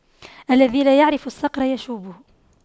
الذي لا يعرف الصقر يشويه